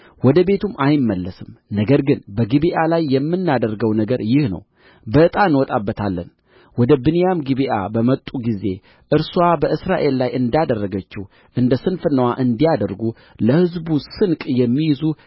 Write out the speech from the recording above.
ወደ ቤቱም አይመለስም ነገር ግን በጊብዓ ላይ የምናደርገው ነገር ይህ ነው በዕጣ እንወጣባታለን ወደ ብንያም ጊብዓ በመጡ ጊዜ እርስዋ በእስራኤል ላይ እንዳደረገችው እንደ ስንፍናዋ እንዲያደርጉ ለሕዝብ ስንቅ የሚይዙ